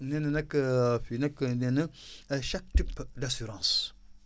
nee na nag fii nag nee na chaque type d' assurance